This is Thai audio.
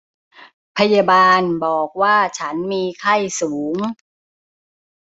พยาบาลบอกว่าฉันมีไข้สูง